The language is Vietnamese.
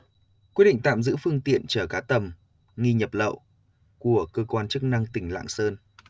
quyết định tạm giữ phương tiện chở cá tầm nghi nhập lậu của cơ quan chức năng tỉnh lạng sơn